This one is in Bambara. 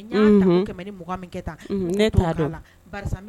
Unhun ɲ'a ta ko 100 ni 20 min kɛ tan unhun ne t'o dɔn t'o k'a la barisa m